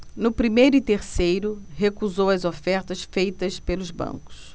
no primeiro e terceiro recusou as ofertas feitas pelos bancos